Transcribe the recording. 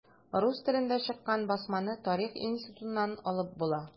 Рус телендә чыккан басманы Тарих институтыннан алып була.